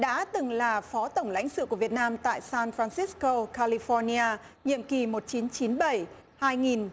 đã từng là phó tổng lãnh sự của việt nam tại san phan sít câu ca li phoóc ni a nhiệm kỳ một chín chín bảy hai nghìn